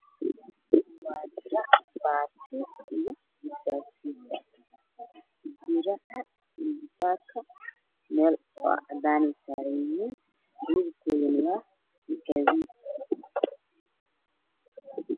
Waa dirac iyo garbasaar diraca wuxuu saaran yahay meel kore garbisaarkana meel hoose ayuu saaran yahay